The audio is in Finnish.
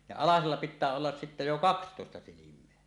ja alasella pitää olla sitten jo kaksitoista silmää